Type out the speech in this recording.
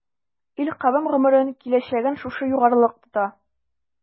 Ил-кавем гомерен, киләчәген шушы югарылык тота.